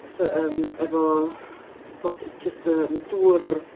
Fatha yym efo o d- jyst yym dŵr...